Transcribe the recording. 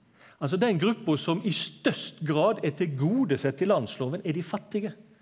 altså den gruppa som i størst grad er tilgodesett i landsloven er dei fattige.